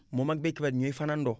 moom ak baykat bi ñooy fanaandoo